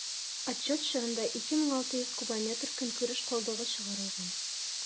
Отчет чорында 2600 кубометр көнкүреш калдыгы чыгарылган.